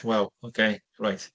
Wel, okay, right.